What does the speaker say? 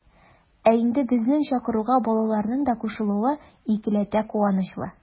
Ә инде безнең чакыруга балаларның да кушылуы икеләтә куанычлы.